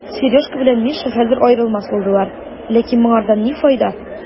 Сережка белән Миша хәзер аерылмас булдылар, ләкин моңардан ни файда?